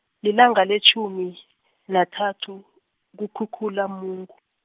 lilanga letjhumi, nathathu, kuKhukhulamungu.